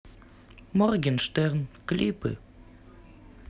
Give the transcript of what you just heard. моргенштерн клипы